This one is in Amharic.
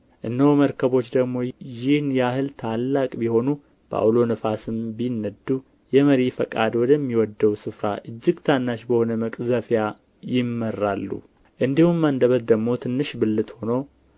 እነሆ መርከቦች ደግሞ ይህን ያህል ታላቅ ቢሆኑ በዐውሎ ነፋስም ቢነዱ የመሪ ፈቃድ ወደሚወደው ስፍራ እጅግ ታናሽ በሆነ መቅዘፊያ ይመራሉ እንዲሁም አንደበት ደግሞ ትንሽ ብልት ሆኖ